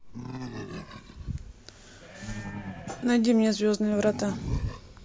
найди мне звездные врата